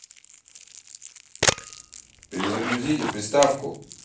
перегрузите приставку